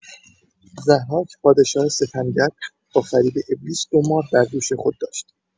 ضحاک، پادشاه ستمگر، با فریب ابلیس، دو مار بر دوش خود داشت.